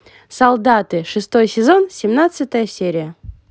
солдаты шестой сезон семнадцатая серия